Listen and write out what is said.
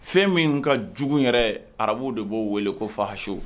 Fɛn min ka jugu yɛrɛ arabuw de b'o wele ko fahasu